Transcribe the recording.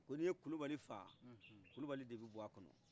ko ni i ye kulubali faga kulubali de bɛ bɔ a kɔnɔ